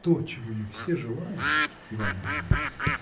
то, чего мы все желаем, Иван Иванович.